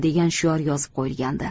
degan shior yozib qo'yilgandi